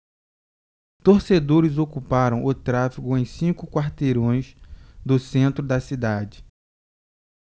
torcedores ocuparam o tráfego em cinco quarteirões do centro da cidade